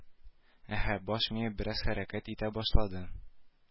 Әһә баш мие бераз хәрәкәт итә башлады